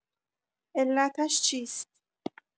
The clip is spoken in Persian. علتش چیست؟